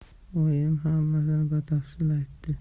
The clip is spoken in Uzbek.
oyim hammasini batafsil aytdi